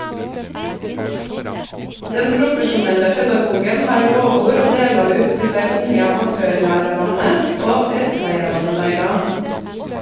Den profesjonelle pedagogen har lovord å dela ut til dei unge amatørlærarane og rettleiarane deira.